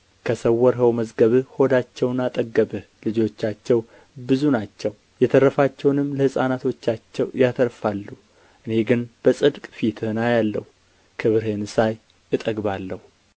ከሰወርኸው መዝገብህ ሆዳቸውን አጠገብህ ልጆቻቸው ብዙ ናቸው የተረፋቸውንም ለሕፃናቶቻቸው ያተርፋሉ እኔ ግን በጽድቅ ፊትህን አያለሁ ክብርህን ሳይ እጠግባለሁ